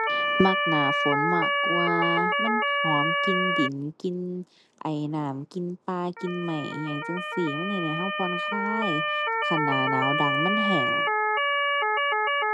มักหน้าฝนมากกว่า มันหอมกลิ่นดิน กลิ่นไอน้ำ กลิ่นป่า กลิ่นไม้อิหยังจั่งซี้ มันเฮ็ดให้เราผ่อนคลาย คันหน้าหนาวดังมันแห้ง